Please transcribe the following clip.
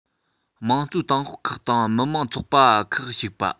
དམངས གཙོའི ཏང ཤོག ཁག དང མི དམངས ཚོགས པ ཁག ཞུགས པ